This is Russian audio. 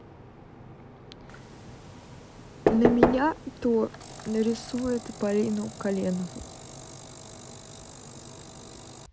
на меня то нарисует полину коленову